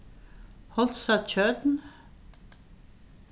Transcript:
hálsatjørn